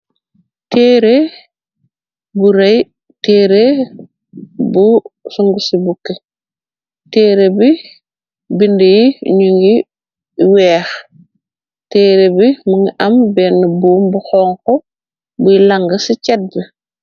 Téeré bu rëy téere bu sung ci bukke téeré bi binda yi nu ngi wéex téeré bi munga am béna buum bu xonk bui lang ci cat bi.